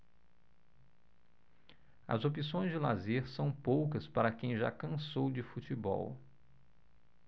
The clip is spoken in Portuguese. as opções de lazer são poucas para quem já cansou de futebol